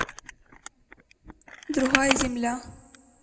другая земля